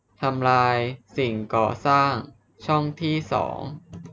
ทำลายสิ่งก่อสร้างช่องที่สอง